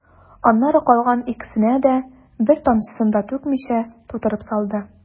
Аннары калган икесенә дә, бер тамчысын да түкмичә, тутырып салды.